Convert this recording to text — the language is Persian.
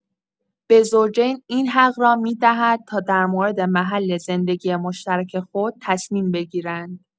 به زوجین این حق را می‌دهد تا در مورد محل زندگی مشترک خود تصمیم بگیرند.